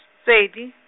Pedi.